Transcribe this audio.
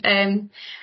Yym ...